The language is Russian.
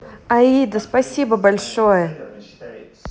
аида спасибо большое